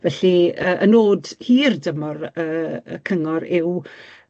Felly yy y nod hir dymor yy y cyngor yw